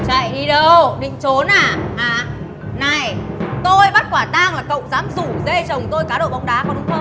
chạy đi đâu định trốn à hả này tôi bắt quả tang là cậu dám rủ rê chồng tôi cá độ bóng đá có đúng không